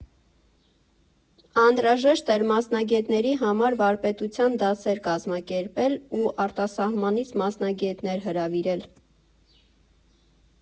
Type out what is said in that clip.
Անհրաժեշտ էր մասնագետների համար վարպետության դասեր կազմակերպել ու արտասահմանից մասնագետներ հրավիրել։